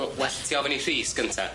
O well ti ofyn i Rhys gynta.